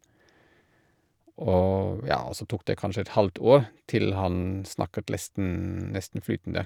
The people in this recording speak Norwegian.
Og, ja, og så tok det kanskje et halvt år til han snakket lesten nesten flytende.